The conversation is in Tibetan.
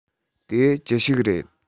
དེ ཅི ཞིག རེད